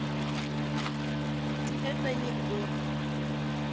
это анекдот